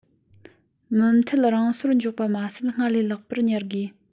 མུ མཐུད རང སོར འཇོག པ མ ཟད སྔར ལས ལེགས པར གཉེར དགོས